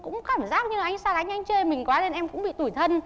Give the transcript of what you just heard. cũng cảm giác như anh ý xa lánh anh chê mình quá nên em cũng bị tủi thân